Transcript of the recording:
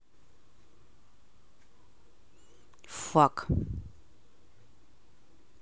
fuck